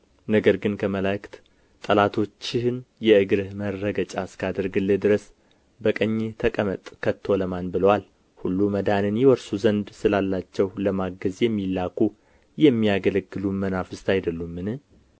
ነገር ግን ከመላእክት ጠላቶችህን የእግርህ መረገጫ እስካደርግልህ ድረስ በቀኜ ተቀመጥ ከቶ ለማን ብሎአል ሁሉ መዳንን ይወርሱ ዘንድ ስላላቸው ለማገዝ የሚላኩ የሚያገለግሉም መናፍስት አይደሉምን